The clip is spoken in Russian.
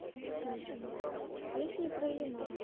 песни про ямал